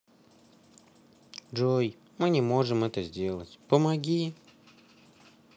джой мы не можем это сделать помоги